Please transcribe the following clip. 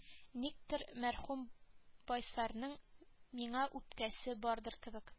Никтер мәрхүм байсарның миңа үпкәсе бардыр кебек